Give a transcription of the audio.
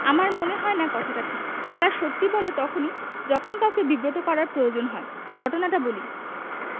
আমার মনে হয় না কথাটা ঠিক তারা সত্যি কথা বলে তখনি যখন কাউকে বিব্রত করার প্রয়োজন হয় ঘটনাটা বলি